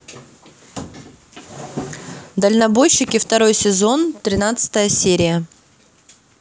дальнобойщики второй сезон тринадцатая серия